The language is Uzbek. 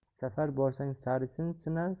safar borsang sarisin sina